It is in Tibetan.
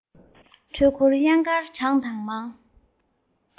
འཕྲུལ འཁོར གཡང དཀར གྲངས དང མང